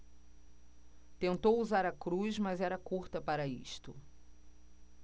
tentou usar a cruz mas era curta para isto